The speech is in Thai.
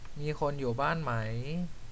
มีคนอยู่บ้านไหม